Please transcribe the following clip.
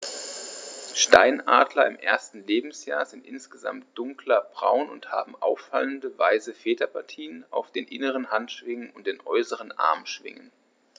Steinadler im ersten Lebensjahr sind insgesamt dunkler braun und haben auffallende, weiße Federpartien auf den inneren Handschwingen und den äußeren Armschwingen.